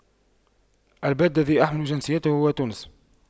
البلد الذي احمل جنسيته هو تونس